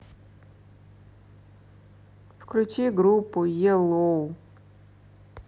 включи группу еллоу